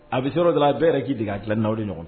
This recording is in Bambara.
A bi se yɔrɔ dɔ la , bɛɛ yɛrɛ ki dege a gilan ni la o de ɲɔgɔn